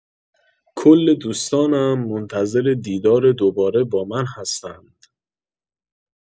کل دوستانم منتظر دیدار دوباره با من هستند.